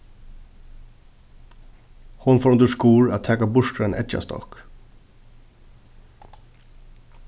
hon fór undir skurð at taka burtur ein eggjastokk